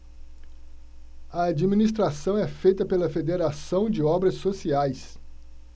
a administração é feita pela fos federação de obras sociais